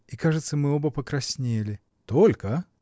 — и, кажется, мы оба покраснели. — Только?